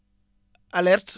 alerte